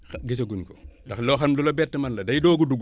xa gisaguñu ko ndax loo xam lu la bett mën la day doog a dugg